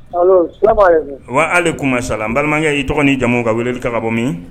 Alo, salamalekum; Wa alekumasala, n balimakɛ, i tɔgɔ ni jamu? Ka weleli ka bɔ min?